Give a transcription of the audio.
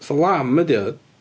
Fatha lamb ydy o.